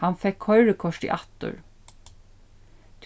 hann fekk koyrikortið aftur